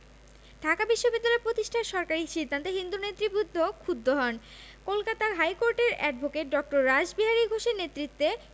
ঢাকা বিশ্ববিদ্যালয় প্রতিষ্ঠার সরকারি সিদ্ধান্তে হিন্দু নেতৃবৃন্দ ক্ষুব্ধ হন কলকাতা হাইকোর্টের অ্যাডভোকেট ড. রাসবিহারী ঘোষের নেতৃত্বে